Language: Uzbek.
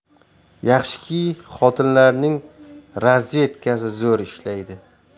yaxshiki xotinlarning razvedkasi zo'r ishlaydi